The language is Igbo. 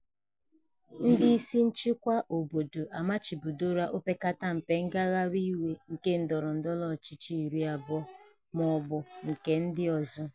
Ndị isi nchịkwa obodo amachidoola opekatampe ngagharị iwe nke ndọrọndọrọ ọchịchị 20 ma ọ bụ nke ndị ozọ.